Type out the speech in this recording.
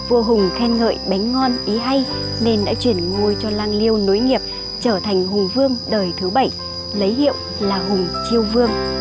vua hùng khen ngợi bánh ngon ý hay nên đã truyền ngôi cho lang liêu nối nghiệp trở thành hùng vương đời thứ lấy hiệu là hùng chiêu vương